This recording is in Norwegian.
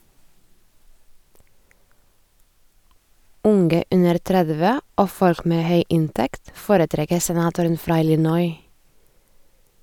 Unge under 30 og folk med høy inntekt foretrekker senatoren fra Illinois.